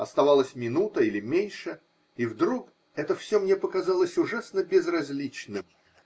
Оставалась минута или меньше, и вдруг это все мне показалось ужасно безразличным.